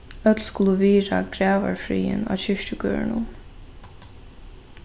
øll skulu virða gravarfriðin á kirkjugørðunum